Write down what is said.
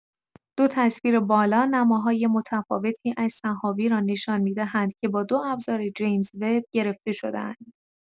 دو تصویر بالا نماهای متفاوتی از سحابی را نشان می‌دهند که با دو ابزار جیمز وب گرفته شده‌اند.